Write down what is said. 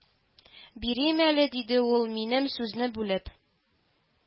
Бирим әле, диде ул, минем сүзне бүлеп